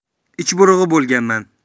ich burug'i bo'lganman